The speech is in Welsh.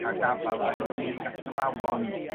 ca'l gafal ar nid yn unig athrawon